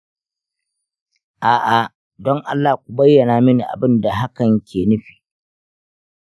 a'a, don allah ku bayyana mini abin da hakan ke nufi.